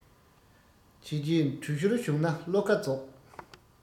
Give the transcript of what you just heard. བྱས རྗེས དྲུད ཤུལ བྱུང ན བློ ཁ རྫོགས